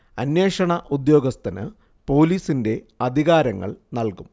അന്വേഷണ ഉദ്യോഗസ്ഥന് പോലീസിന്റെ അധികാരങ്ങൾ നൽകും